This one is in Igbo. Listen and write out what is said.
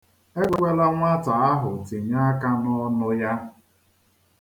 Ekwela nwata ahụ tinye aka n'ọnụ ya